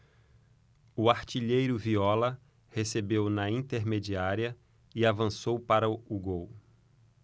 o artilheiro viola recebeu na intermediária e avançou para o gol